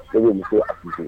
E ye muso a ye